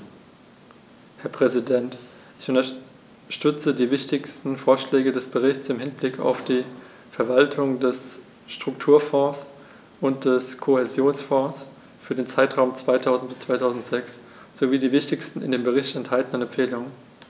Herr Präsident, ich unterstütze die wichtigsten Vorschläge des Berichts im Hinblick auf die Verwaltung der Strukturfonds und des Kohäsionsfonds für den Zeitraum 2000-2006 sowie die wichtigsten in dem Bericht enthaltenen Empfehlungen.